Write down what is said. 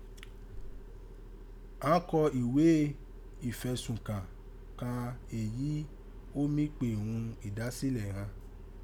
Án kọ ìwé ìfẹ̀sùnkàn kàn èyí ó mí pè ghún ìdásílẹ̀ ghan